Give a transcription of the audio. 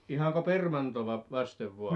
ihanko permantoa vasten vain